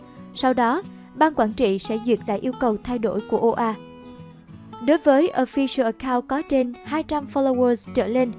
sau đó bqt sẽ duyệt lại yêu cầu thay đổi của oa đối với official account có trên followers trở lên